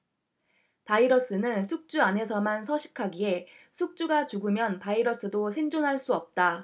바이러스는 숙주 안에서만 서식하기에 숙주가 죽으면 바이러스도 생존할 수 없다